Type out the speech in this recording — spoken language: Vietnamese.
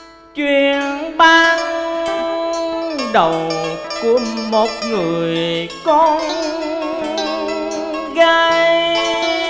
chuyện ban đầu của một người con gái